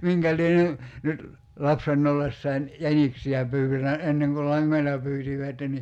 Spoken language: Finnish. minkä lie - nyt lapsena ollessani jäniksiä pyytänyt ennen kun langoilla pyysivät niin